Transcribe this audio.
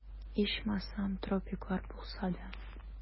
Ичмасам, тропиклар булса да...